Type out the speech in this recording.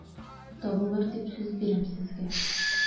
Табылыр дип сүз бирәм сезгә...